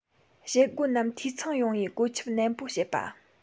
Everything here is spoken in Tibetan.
བྱེད སྒོ རྣམས འཐུས ཚང ཡོང བའི བཀོད ཁྱབ ནན པོ བྱེད པ